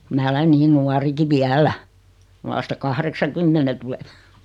minä olen niin nuorikin vielä vasta kahdeksankymmenen tulen